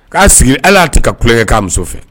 K'a sigi ala'a tɛ ka tulonkɛkan muso fɛ